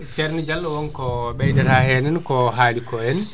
ceerno Diallo wonko ɓeydata henna ko haaliko henna